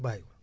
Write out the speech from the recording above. bàyyi